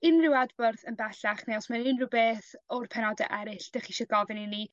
unryw adborth yn bellach neu os ma' unryw beth o'r penode eryll 'dych chi isio gofyn i ni